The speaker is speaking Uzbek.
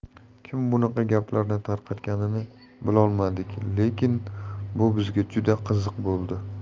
kim bunaqa gaplarni tarqatganini bilolmadik lekin bu bizga juda qiziq bo'ldi